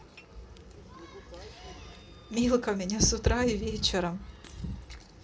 milka меня с утра и вечером